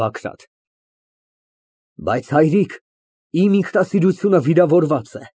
ԲԱԳՐԱՏ ֊ Բայց հայրիկ, իմ ինքնասիրությունը վիրավորված է։